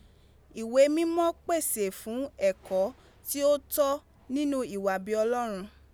Iwe mimo pese fun eko ti o to ninu iwa bi Olorun